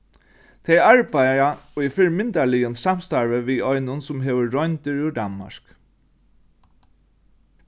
tey arbeiða í fyrimyndarligum samstarvi við einum sum hevur royndir úr danmark